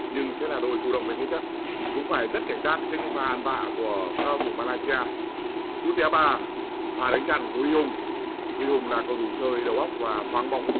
nhưng sẽ là đội chủ động về thế trận cũng phải rất cảnh giác trước những pha ăn vạ của các cầu thủ ma lai si a cu te ba pha đánh chặn của huy hùng huy hùng là cầu thủ chơi đầu óc và thoáng bóng